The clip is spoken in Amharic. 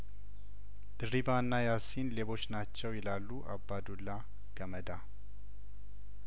ድሪባና ያሲን ሌቦች ናቸው ይላሉ አባዱላ ገመዳ